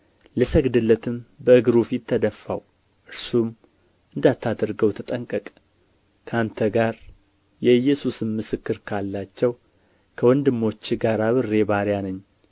ልሰግድለትም በእግሩ ፊት ተደፋሁ እርሱም እንዳታደርገው ተጠንቀቅ ከአንተ ጋር የኢየሱስም ምስክር ካላቸው ከወንድሞችህ ጋር አብሬ ባሪያ ነኝ